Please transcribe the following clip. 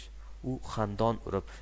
u xandon urib